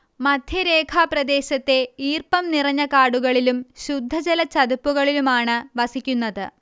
മധ്യരേഖാപ്രദേശത്തെ ഈർപ്പം നിറഞ്ഞ കാടുകളിലും ശുദ്ധജലചതുപ്പുകളിലുമാണ് വസിക്കുന്നത്